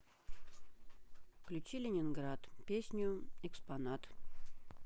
включи ленинград песню экспонат